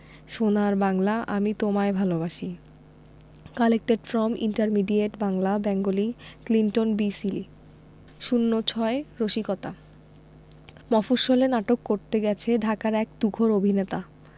সোনার বাংলা আমি তোমায় ভালবাসি collected from intermediate Bangla Bengali Clinton B Seely ০৬ রসিকতা মফশ্বলে নাটক করতে গেছে ঢাকার এক তুখোর অভিনেতা